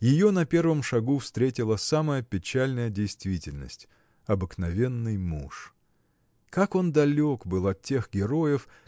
ее на первом шагу встретила самая печальная действительность – обыкновенный муж. Как он далек был от тех героев